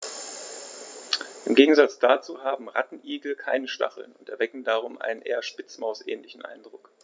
Im Gegensatz dazu haben Rattenigel keine Stacheln und erwecken darum einen eher Spitzmaus-ähnlichen Eindruck.